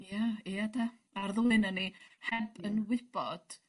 Ia ia 'de ar ddwy onyn ni heb yn wybod